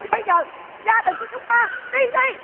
bây giờ gia đình của chúng ta đi thi